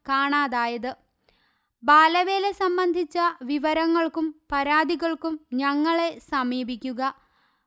കാണാതായത്, ബാലവേല സംബന്ധിച്ച വിവരങ്ങൾക്കും പരാതികൾക്കും ഞങ്ങളെ സമീപിക്കുക